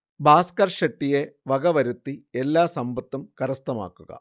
ഭാസ്ക്കർ ഷെട്ടിയെ വക വരുത്തി എല്ലാ സമ്പത്തും കരസ്ഥമാക്കുക